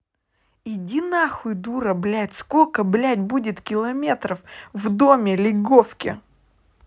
иди нахуй дура блядь сколько блядь будет километров в доме лиговки